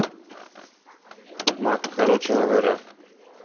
мак короче говоря